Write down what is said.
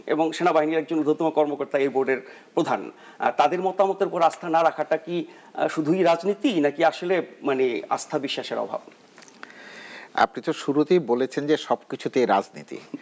এবং সেনাবাহিনীর একজন ঊর্ধ্বতন কর্মকর্তা এ বোর্ডের প্রধান তাদের মতামতের উপর আস্থা না রাখাটা কি শুধুই রাজনীতি নাকি আসলে মানে আস্থা বিশ্বাস এর অভাব আপনি তো শুরুতেই বলেছেন যে সবকিছুতেই রাজনীতি